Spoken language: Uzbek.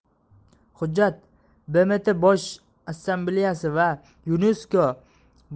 hujjat bmt bosh assambleyasi va yunesko